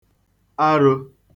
arō